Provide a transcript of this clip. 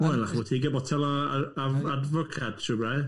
Wel, achos ti'n gael botel o a- of- Advocate shwt, reit?